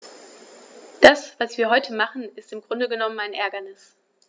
Das, was wir heute machen, ist im Grunde genommen ein Ärgernis.